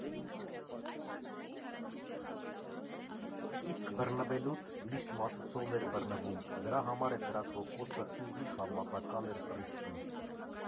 Իսկ բռնվելուց միշտ մատուցողն էր բռնվում, դրա համար էլ նրա տոկոսը ուղիղ համեմատական էր ռիսկին։